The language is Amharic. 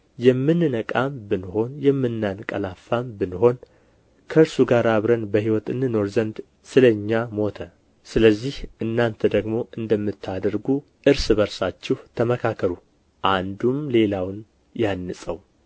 የምንነቃም ብንሆን የምናንቀላፋም ብንሆን ከእርሱ ጋር አብረን በሕይወት እንኖር ዘንድ ስለ እኛ ሞተ ስለዚህ እናንተ ደግሞ እንደምታደርጉ እርስ በርሳችሁ ተመካከሩ አንዱም አንዱም ሌላውን ያንጸው